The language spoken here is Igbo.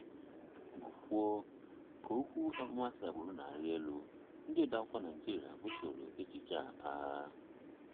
Gụ kwuo: Ka okwu akpọmasị agbụrụ na-arị elu, ndị odeeakwụkwọ Naịjirịa busoro echiche a agha.